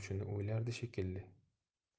shuni o'ylardi shekilli